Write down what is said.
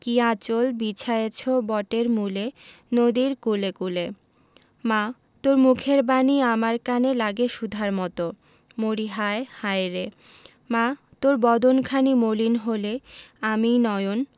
কী আঁচল বিছায়েছ বটের মূলে নদীর কূলে কূলে মা তোর মুখের বাণী আমার কানে লাগে সুধার মতো মরিহায় হায়রে মা তোর বদন খানি মলিন হলে আমি নয়ন